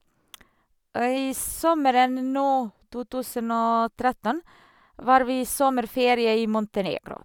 I sommeren nå, to tusen og tretten, var vi sommerferie i Montenegro.